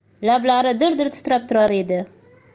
lablari dir dir titrab turar edi